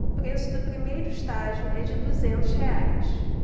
o preço do primeiro estágio é de duzentos reais